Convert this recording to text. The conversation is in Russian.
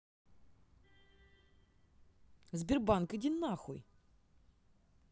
сбербанк иди на хуй